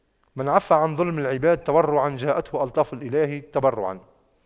من عَفَّ عن ظلم العباد تورعا جاءته ألطاف الإله تبرعا